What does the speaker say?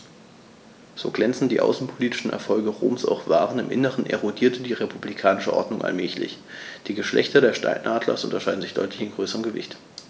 So glänzend die außenpolitischen Erfolge Roms auch waren: Im Inneren erodierte die republikanische Ordnung allmählich. Die Geschlechter des Steinadlers unterscheiden sich deutlich in Größe und Gewicht.